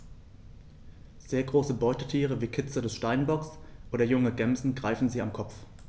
Sehr große Beutetiere wie Kitze des Steinbocks oder junge Gämsen greifen sie am Kopf.